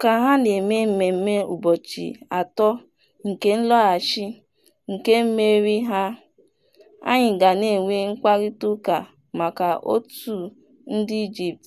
Ka ha na-eme mmemme ụbọchị 3 nke nlọghachi nke mmeri ha, anyị ga na-enwe mkparịtaụka maka otú ndị Egypt,